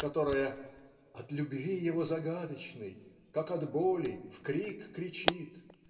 которая "от любви его загадочной как от боли в крик кричит